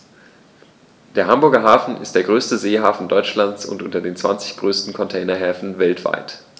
Der Hamburger Hafen ist der größte Seehafen Deutschlands und unter den zwanzig größten Containerhäfen weltweit.